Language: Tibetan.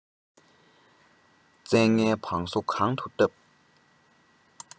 བཙན ལྔའི བང སོ གང དུ བཏབ